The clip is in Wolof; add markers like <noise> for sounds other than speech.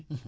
<hesitation> <hesitation>